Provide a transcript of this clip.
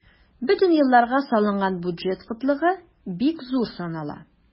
Бөтен елларга салынган бюджет кытлыгы бик зур санала.